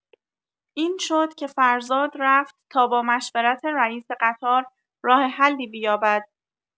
این شد که فرزاد رفت تا با مشورت رئیس قطار راه حلی بیابد.